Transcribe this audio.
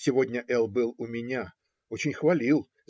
Сегодня Л. был у меня. Очень хвалил.